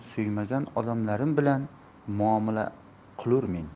suymagan odamlarim bilan muomala qilurmen